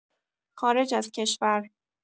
خارج از کشور